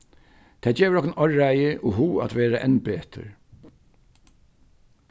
tað gevur okkum áræði og hug at vera enn betur